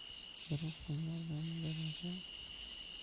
biroq kunlardan birida